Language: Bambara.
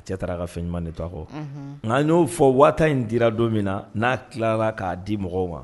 A cɛ taara a ka fɛnɲuman de tɔgɔkɔ nka n y'o fɔ waa in dira don min na n'a tila k'a di mɔgɔw ma